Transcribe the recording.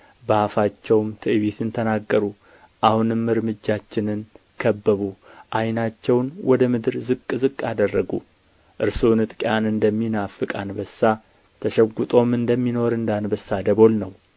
በአፋቸውም ትንቢትን ተናገሩ አሁንም እርምጃችንን ከበቡ ዓይናቸውን ወደ ምድር ዝቅ ዝቅ አደረጉ እርሱ ንጥቂያን እንደሚናፍቅ አንበሳ ተሸጕጦም እንደሚኖር እንደ አንበሳ ደቦል ነው